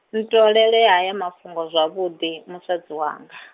ntoolele haya mafhungo zwavhuḓi, musadzi wanga.